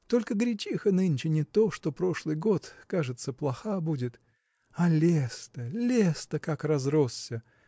только гречиха нынче не то, что прошлый год: кажется, плоха будет. А лес-то, лес-то как разросся!